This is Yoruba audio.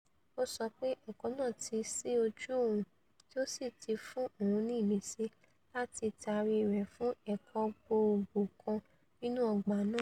Ó sọ pé ẹ̀kọ́ náà ti sí ojú òun tí ó sì ti fún òun ní ìmísí láti taari rẹ̀ fún ẹ̀kọ́ gbogbòò kan nínú ọgbà náà.